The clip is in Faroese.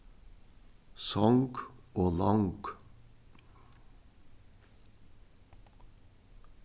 song og long